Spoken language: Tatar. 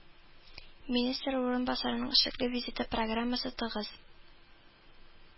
Министр урынбасарының эшлекле визиты программасы тыгыз